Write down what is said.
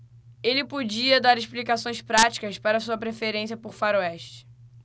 ele podia dar explicações práticas para sua preferência por faroestes